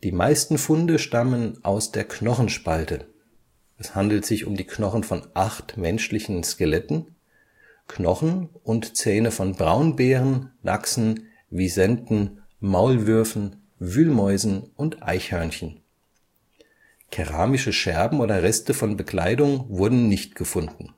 meisten Funde stammen aus der Knochenspalte. Es handelt sich um die Knochen von acht menschlichen Skeletten, Knochen und Zähne von Braunbären, Dachsen, Wisenten, Maulwürfen, Wühlmäusen und Eichhörnchen. Keramische Scherben oder Reste von Bekleidung wurden nicht gefunden